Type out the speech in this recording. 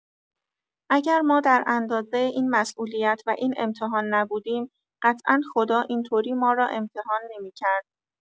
اگر ما در اندازه این مسئولیت و این امتحان نبودیم، قطعا خدا این‌طوری ما را امتحان نمی‌کرد.